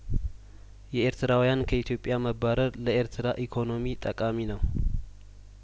የኤርትራውያን ከኢትዮጵያ መባረር ለኤርትራ ኢኮኖሚ ጠቃሚ ነው